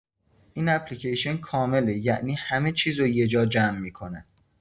این اپلیکیشن کامله، یعنی همه چیزو یه جا جمع می‌کنه.